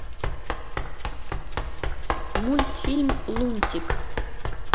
мультфильм лунтик